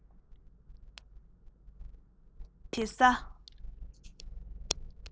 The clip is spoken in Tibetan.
མགོ འཛུགས བྱེད ས